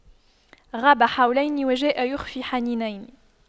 غاب حولين وجاء بِخُفَّيْ حنين